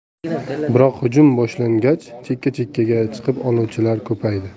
biroq hujum boshlangach chekka chekkaga chiqib oluvchilar ko'payadi